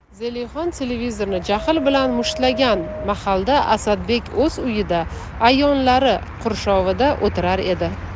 zelixon televizorni jahl bilan mushtlagan mahalda asadbek o'z uyida a'yonlari qurshovida o'tirar edi